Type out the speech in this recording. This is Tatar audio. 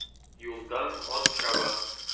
Юлдан ат чаба.